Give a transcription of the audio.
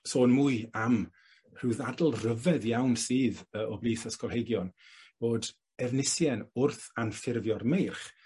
sôn mwy am rhyw ddadl rhyfedd iawn sydd yy o blith ysgolheigion bod Efnisien wrth anffurfio'r meirch